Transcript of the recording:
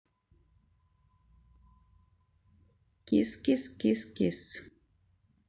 кис кис кис кис